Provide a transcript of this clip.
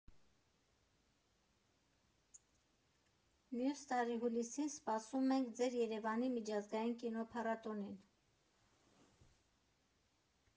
«Մյուս տարի հուլիսին սպասում ենք ձեզ Երևանի միջազգային կինոփառատոնին»։